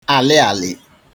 alịalị